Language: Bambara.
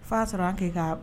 Fa sɔrɔ a kɛ ka